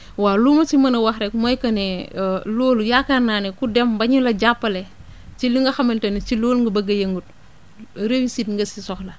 waaw lu ma si mën a wax rek mooy que ne loolu yaakaar naa ne ku dem ba ñu la jàppale ci li nga xamante ni ci loolu nga bëgg a yëngatu réussite nga si soxla